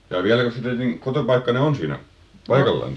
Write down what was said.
jaa vieläkös se teidän kotopaikkanne on siinä paikallansa